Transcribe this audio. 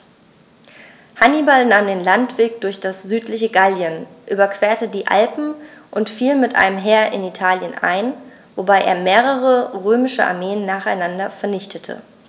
Hannibal nahm den Landweg durch das südliche Gallien, überquerte die Alpen und fiel mit einem Heer in Italien ein, wobei er mehrere römische Armeen nacheinander vernichtete.